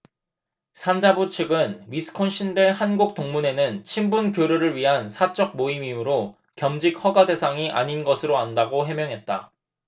산자부 측은 위스콘신대 한국 동문회는 친분교류를 위한 사적 모임이므로 겸직 허가 대상이 아닌 것으로 안다고 해명했다